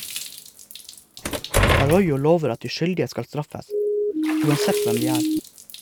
Arroyo lover at de skyldige skal straffes, uansett hvem de er.